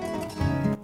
Hɛrɛ